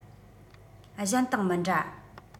གཞན དང མི འདྲ